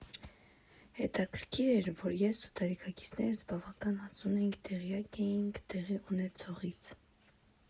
Հետաքրքիր էր, որ ես ու տարիքակիցներս բավական հասուն էինք, տեղյակ էինք տեղի ունեցողից։